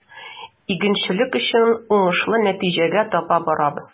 Игенчелек өчен уңышлы нәтиҗәгә таба барабыз.